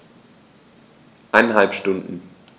Eineinhalb Stunden